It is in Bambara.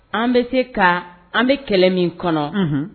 An be se ka . An be kɛlɛ min kɔnɔ.